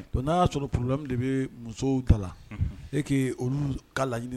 Don n'a y'a sɔrɔ p kulubali min de bɛ muso ta e' olu ka laɲini